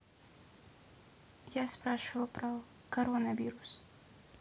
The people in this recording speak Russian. я спрашивала про короновирус